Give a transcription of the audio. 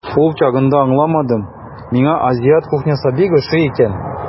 Ул чагында аңладым, миңа азиат кухнясы бик ошый икән.